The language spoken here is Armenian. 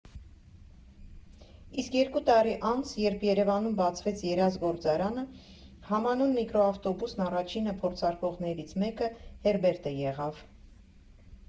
Իսկ երկու տարի անց, երբ Երևանում բացվեց «ԵրԱԶ» գործարանը, համանուն միկրոավտոբուսն առաջինը փորձարկողներից մեկը Հերբերտը եղավ։